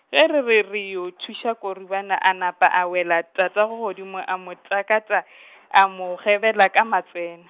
ge re re re, re yo thuša Koribana a napa a wela tatago godimo a mo kataka , a mo gebela ka matswele.